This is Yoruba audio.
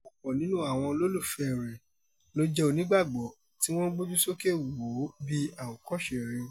Ọ̀pọ̀ nínú àwọn olólùfẹ́ẹ rẹ̀ l'ó jẹ́ Onígbàgbọ́, tí wọ́n ń gbójú sókè wò ó bí àwòkọ́ṣe rere.